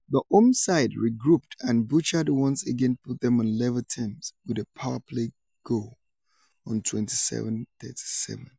The home side regrouped and Bouchard once again put them on level terms with a power play goal on 27:37.